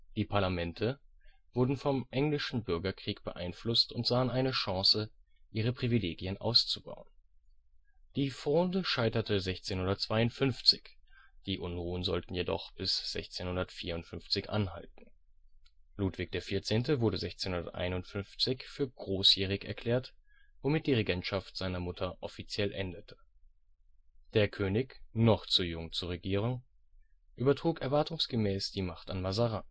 Die Parlamente (Oberste Gerichtshöfe) wurden vom Englischen Bürgerkrieg beeinflusst und sahen eine Chance, ihre Privilegien auszubauen. Die Fronde scheiterte 1652, die Unruhen sollten jedoch noch bis 1654 anhalten. Ludwig XIV. wurde 1651 für großjährig erklärt, womit die Regentschaft seiner Mutter offiziell endete. Der König – noch zu jung zur Regierung – übertrug erwartungsgemäß die Macht an Mazarin